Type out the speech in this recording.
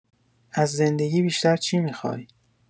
از زندگی بیشتر چی می‌خوای؟